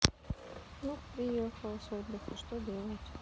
внук приехал с отдыха что делать